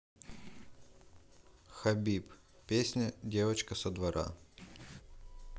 хабиб песня девочка со двора